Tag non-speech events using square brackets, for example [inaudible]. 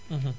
[hesitation] [hesitation]